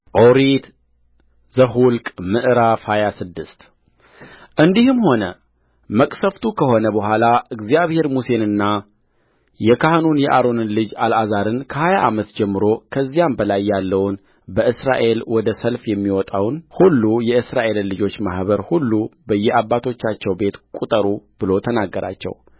ኦሪት ዘኍልቍ ምዕራፍ ሃያ ስድስት እንዲህም ሆነ መቅሠፍቱ ከሆነ በኋላ እግዚአብሔር ሙሴንና የካህኑን የአሮን ልጅ አልዓዛርንከሀያ ዓመት ጀምሮ ከዚያም በላይ ያለውን በእስራኤል ወደ ሰልፍ የሚወጣውን ሁሉ የእስራኤልን ልጆች ማኅበር ሁሉ በየአባቶቻቸው ቤት ቍጠሩ ብሎ ተናገራቸው